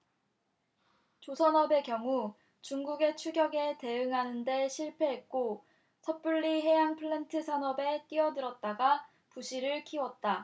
조선업의 경우 중국의 추격에 대응하는 데 실패했고 섣불리 해양플랜트 산업에 뛰어들었다가 부실을 키웠다